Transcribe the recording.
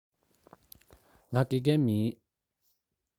ང དགེ རྒན མིན